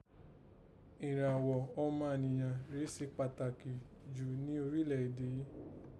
Ìrànghọ́ ọmanìyàn rèé se pàtàkì jù ni orílẹ̀ èdè yii